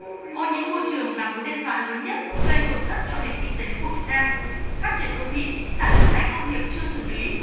ô nhiễm môi trường là mối đe dọa lớn nhất gây tổn thất cho nền kinh tế của việt nam phát triển đô thị xả nước thải công nghiệp chưa xử lý